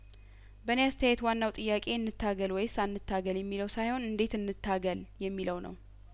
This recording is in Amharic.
በእኔ አስተያየት ዋናው ጥያቄ እንታገል ወይስ አንታገል የሚለው ሳይሆን እንዴት እንታገል የሚለው ነው